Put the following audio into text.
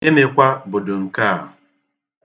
Gịnị kwa bụdụ nke a?